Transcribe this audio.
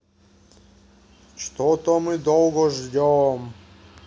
что то мы долго ждем